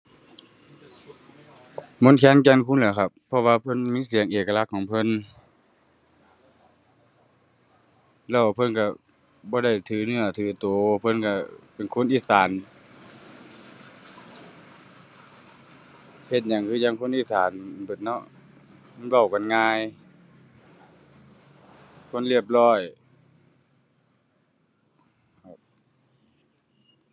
มนต์แคน แก่นคูนล่ะครับ เพราะว่าเพิ่นมีเสียงเอกลักษณ์ของเพิ่น แล้วเพิ่นก็บ่ได้ถือเนื้อถือก็เพิ่นก็เป็นคนอีสาน เฮ็ดหยังคือจั่งคนอีสานเบิดเนาะ มันเว้ากันง่ายคนเ รียบร้อย ครับ